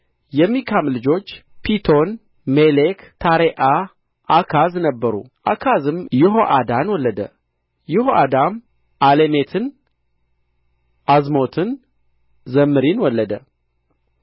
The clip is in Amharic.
የሚካም ልጆች ፒቶን ሜሌክ ታሬዓ አካዝ ነበሩ አካዝም ይሆዓዳን ወለደ ይሆዓዳም ዓሌሜትን ዓዝሞትን ዘምሪን ወለደ